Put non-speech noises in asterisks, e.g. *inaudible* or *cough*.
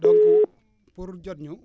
*noise* donc pour jot ñu